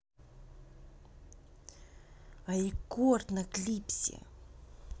рекорд на клипсе